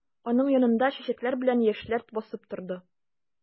Аның янында чәчәкләр белән яшьләр басып торды.